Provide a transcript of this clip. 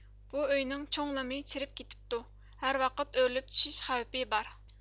بۇ ئۆينىڭ چوڭ لىمى چىرىپ كېتىپتۇ ھەرۋاقىت ئۆرۈلۈپ چۈشۈش خەۋپى بار